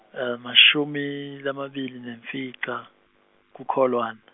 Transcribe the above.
emashumi, lamabili nemfica, kuKholwane.